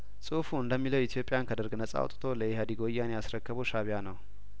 ጽሁፉ እንደሚለው ኢትዮጵያን ከደርግ ነጻ አውጥቶ ለኢህአዴግ ወያኔ ያስረከበው ሻእቢያነው